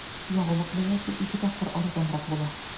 Ягулык бәясе ике тапкыр арзанрак була.